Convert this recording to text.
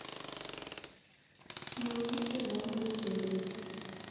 мультики новые серии